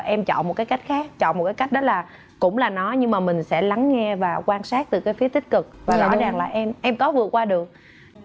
em chọn một cái cách khác chọn một cái cách đó là củng là nó nhưng mà mình sẽ lắng nghe và quan sát từ cái phía tích cực và rõ ràng là em em có vượt qua được